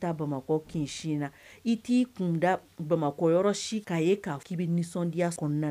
Bamakɔ kin si na i t'i kun da bamakɔ yɔrɔ si kan e k'a fɔ k'i bɛ nisɔndiya